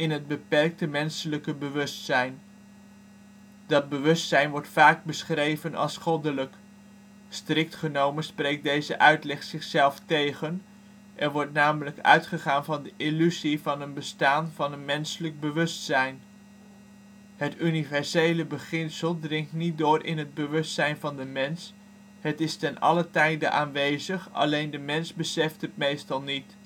beperkte menselijke bewustzijn. Dat bewustzijn wordt vaak beschreven als goddelijk. Strikt genomen spreekt deze uitleg zichzelf tegen, er wordt namelijk uitgegaan van de illusie van een bestaan van een menselijk bewustzijn. Het universele beginsel dringt niet door in het bewustzijn van de mens, het is te allen tijde aanwezig, alleen de mens beseft het meestal niet